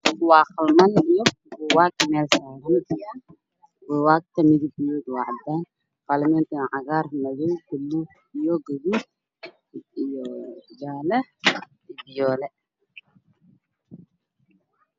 Waa qalimaan iyo buugaag meel saaran buugagta midabkooda waa cadaan qalimaantana cagaar madow buluug iyo gaduud iyo jaale iyo fiyoole